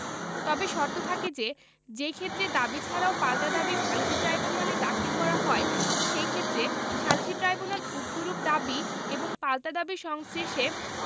তবে শর্ত থাকে যে যেইক্ষেত্রে দাবী ছাড়াও পাল্টা দাবী সালিসী ট্রাইব্যুনালে দাখিল করা হয় সেইক্ষেত্রে সালিসী ট্রাইব্যুনাল উক্তরূপ দাবী এবং পাল্টা দাবী সংশ্লেষে